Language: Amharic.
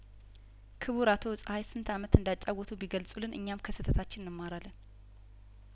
ክቡር አቶ ጸሀይ ስንት አመት እንዳጫወቱ ቢገልጹልን እኛም ከስህተታችን እንማራለን